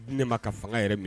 Ne ma ka fanga yɛrɛ minɛ